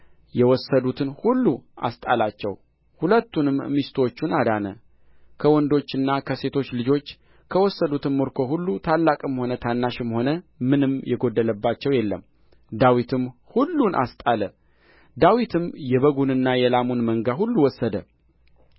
የወሰዱትን ሁሉ አስጣላቸው ሁለቱንም ሚስቶቹን አዳነ ከወንዶችና ከሴቶች ልጆች ከወሰዱትም ምርኮ ሁሉ ታላቅም ሆነ ታናሽም ሆነ ምንም የጐደለባቸው የለም ዳዊትም ሁሉን አስጣለ ዳዊትም የበጉንና የላሙን መንጋ ሁሉ ወሰደ